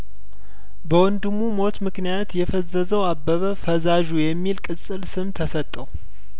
በወንድሙ ሞትምክንያት የፈዘዘው አበበፈዛ ዡ የሚል ቅጽል ስም ተሰጠው